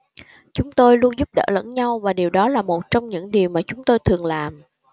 chúng tôi luôn giúp đỡ lẫn nhau và điều đó là một trong những điều mà chúng tôi thường làm